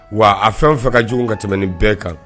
Wa a fɛn o fɛn ka jugu ka tɛmɛ nin bɛɛ kan